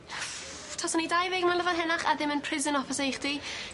Taswn i dau ddeg mlynadd yn henach a ddim yn prison officer i chdi.